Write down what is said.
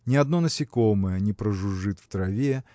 Ни одно насекомое не прожужжит в траве